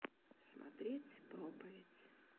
смотреть проповедь